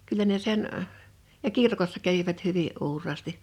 kyllä ne sen - ja kirkossa kävivät hyvin uuraasti